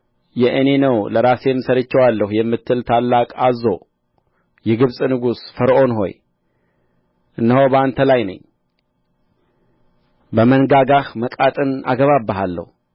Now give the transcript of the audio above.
የእኔ ነው ለራሴም ሠርቼዋለሁ የምትል ታላቅ አዞ የግብጽ ንጉሥ ፈርዖን ሆይ እነሆ በአንተ ላይ ነኝ በመንጋጋህ መቃጥን አገባብሃለሁ የወንዞችህንም ዓሦች ወደ ቅርፊትህ አጣብቃለሁ